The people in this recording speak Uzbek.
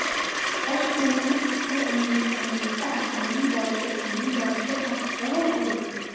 oshxo'rakam kaptar o'ynayotganimizda akamning boshi ukamning boshiga qattiqroq urilib ketdi